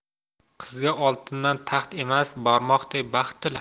qizga oltindan taxt emas barmoqday baxt tila